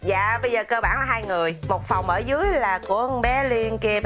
dạ bây giờ cơ bản là hai người một phòng ở dưới là của con bé liên kia